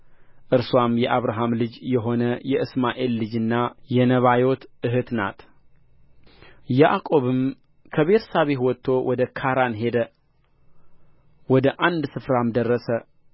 እርስዋም የአብርሃም ልጅ የሆነ የእስማኤል ልጅና የነባዮት እኅት ናት ያዕቆብም ከቤርሳቤህ ወጥቶ ወደ ካራን ሄደ ወደ አንድ ስፍራም ደረሰ